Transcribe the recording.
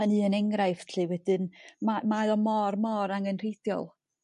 yn un enghraifft 'lly wedyn ma' mae o mor mor angenrheidiol.